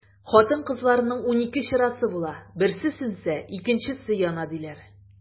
Хатын-кызларның унике чырасы була, берсе сүнсә, икенчесе яна, диләр.